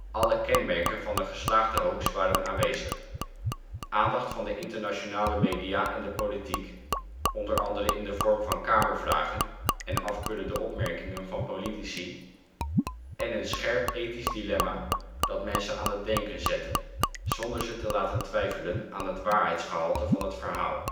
Alle kenmerken van een geslaagde hoax waren aanwezig: aandacht van de internationale media en de politiek, onder andere in de vorm van Kamervragen en afkeurende opmerkingen van politici, en een scherp ethisch dilemma dat mensen aan het denken zette, zonder ze te laten twijfelen aan het waarheidsgehalte van het verhaal